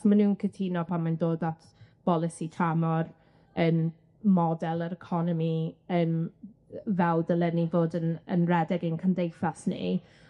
Ma' nw'n cytuno pan mae'n dod at bolisi tramor yym model yr economi yym yy fel dylen ni fod yn yn redeg ein cymdeithas ni.